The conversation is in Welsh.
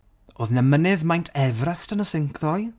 Oedd 'na mynydd maint Everest yn y sinc ddoe.